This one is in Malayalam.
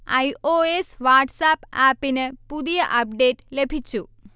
ഐ. ഒ. എസ് വാട്ട്സ്ആപ്പ് ആപ്പിന് പുതിയ അപ്ഡേറ്റ് ലഭിച്ചു